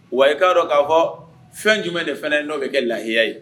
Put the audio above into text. Wa i k'a dɔn k'a fɔ fɛn jumɛn de fana ye'o bɛ kɛ lahiya ye